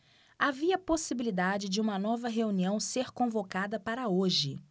havia possibilidade de uma nova reunião ser convocada para hoje